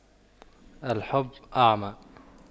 الحب أعمى